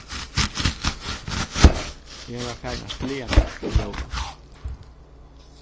eg var farin at gleða meg til jóla